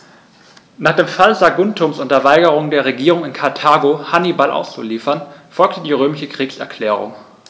Nach dem Fall Saguntums und der Weigerung der Regierung in Karthago, Hannibal auszuliefern, folgte die römische Kriegserklärung.